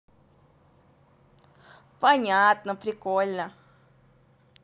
понятно прикольно